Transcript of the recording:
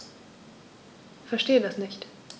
Verstehe das nicht.